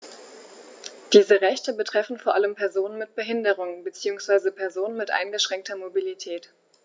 Diese Rechte betreffen vor allem Personen mit Behinderung beziehungsweise Personen mit eingeschränkter Mobilität.